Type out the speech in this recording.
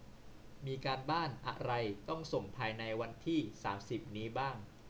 มีการบ้านอะไรต้องส่งภายในวันที่สามสิบนี้บ้าง